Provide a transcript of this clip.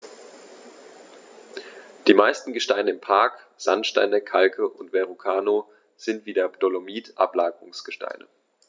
Die meisten Gesteine im Park – Sandsteine, Kalke und Verrucano – sind wie der Dolomit Ablagerungsgesteine.